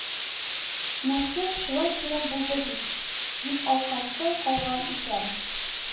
Нәсе, шулай кирәк булды бит, дип акланасы калган икән